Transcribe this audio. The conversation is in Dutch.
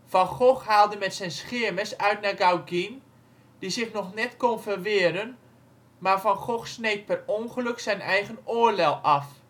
Van Gogh haalde met zijn scheermes uit naar Gauguin, die zich nog net kon verweren maar Van Gogh sneed per ongeluk zijn eigen oorlel af